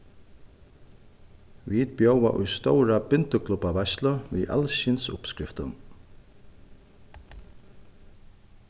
vit bjóða í stóra bindiklubbaveitslu við alskyns uppskriftum